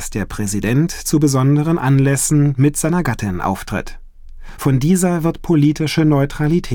der Präsident zu besonderen Anlässen mit seiner Gattin auftritt. Von dieser wird politische Neutralität